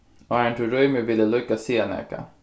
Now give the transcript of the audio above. áðrenn tú rýmir vil eg líka siga nakað